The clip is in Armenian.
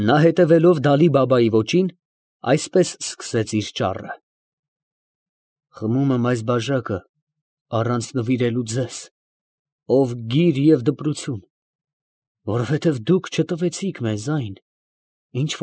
Նա հետևելով Դալի֊Բաբայի ոճին, այսպես սկսեց իր տոստը. «Խմում եմ այս բաժակը առանց նվիրելու ձեզ, ով գիր և դպրություն, որովհետև դուք չտվեցիք մեզ այն, ինչ։